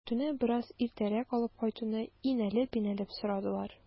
Көтүне бераз иртәрәк алып кайтуны инәлеп-инәлеп сорадылар.